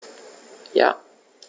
Ja.